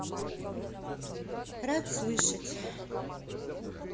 рад слышать